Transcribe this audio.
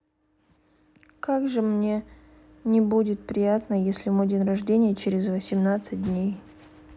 как же мне не будет приятно если мой день рождения через восемнадцать дней